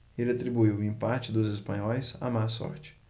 ele atribuiu o empate dos espanhóis à má sorte